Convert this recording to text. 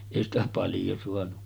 ei sitä paljon saanut